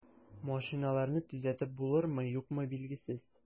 Машиналарны төзәтеп булырмы, юкмы, билгесез.